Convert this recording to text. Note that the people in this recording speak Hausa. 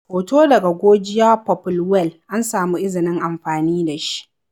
Hoto daga Georgia Popplewell, an samu izinin amfani da shi.